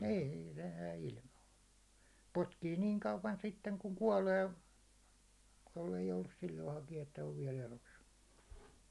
niin se jää ilmaan potkii niin kauan sitten kun kuolee jos ei joudu silloin hakija että on vielä elossa